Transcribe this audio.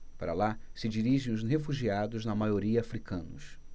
para lá se dirigem os refugiados na maioria hútus